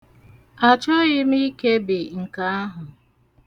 Achọghị m ikebi nke ahụ.